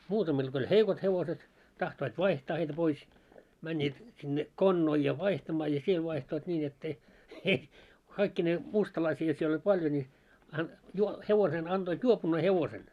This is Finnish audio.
muutamilla kun oli heikot hevoset tahtoivat vaihtaa heitä pois menivät sinne konnoille ja vaihtamaan ja siellä vaihtoivat niin että ei ei kaikkineen mustalaisia siellä oli paljon niin -- hevosen annoit juopuneen hevosen